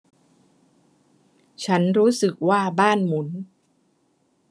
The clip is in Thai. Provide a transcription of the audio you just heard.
ฉันรู้สึกว่าบ้านหมุน